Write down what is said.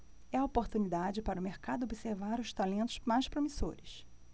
é a oportunidade para o mercado observar os talentos mais promissores